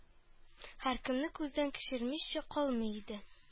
Һәркемне күздән кичермичә калмый иде.